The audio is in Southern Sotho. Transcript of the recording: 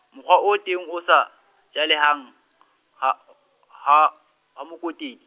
mokgwa o teng o sa, jaleheng , ha, ha, ha Mokotedi.